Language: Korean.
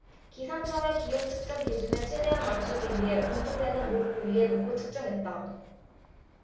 기상청의 기온 측정 기준에 최대한 맞추기 위해 온도계는 목 부위에 놓고 측정했다